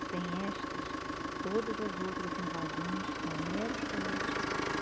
sem estas todas as outras invasões são meros paliativos